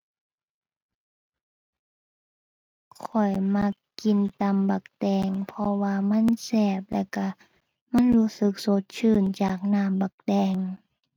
ข้อยมักกินตำบักแตง เพราะว่ามันแซ่บแล้วก็มันรู้สึกสดชื่นจากน้ำบักแตง